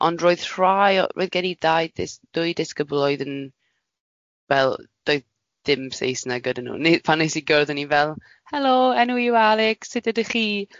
Ond roedd rhai o- roedd gen i ddau dys- dwy dysgybl oedd yn, wel, doedd ddim Saesneg gyda nhw. Neu pan wnes i gyrraedd o'n i fel, helo, enw i yw Alex, sut ydych chi?